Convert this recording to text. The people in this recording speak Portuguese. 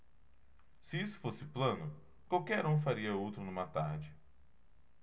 se isso fosse plano qualquer um faria outro numa tarde